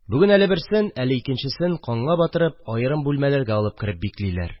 Бүген әле берсен, әле икенчесен канга батырып аерым бүлмәләргә алып кереп биклиләр